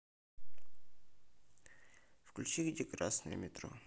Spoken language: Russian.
включи где красное метро